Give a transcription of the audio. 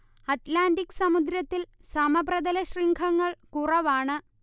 Atlantic സമുദ്രത്തിൽ സമപ്രതലശൃംഖങ്ങൾ കുറവാണ്